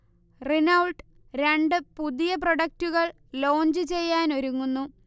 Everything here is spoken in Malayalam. റിനൗൾട്ട് രണ്ട് പുതിയ പ്രൊഡക്ടുകൾ ലോഞ്ച് ചെയ്യാനൊരുങ്ങുന്നു